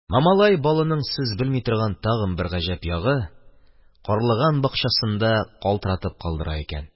Мамалай балының сез белми торган тагын бер гаҗәп ягы: карлыган бакчасында калтыратып калдыра икән.